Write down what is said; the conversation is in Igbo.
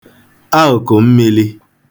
aụ̀kọ̀ mmīlī